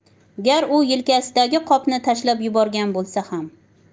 gar u yelkasidagi qopni tashlab yuborgan bo'lsa xam